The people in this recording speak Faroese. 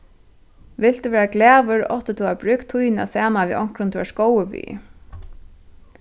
vilt tú vera glaður átti tú at brúkt tíðina saman við onkrum tú ert góður við